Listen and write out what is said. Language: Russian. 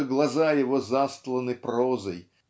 что глаза его застланы прозой